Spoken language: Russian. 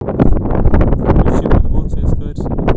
включи футбол цска арсенал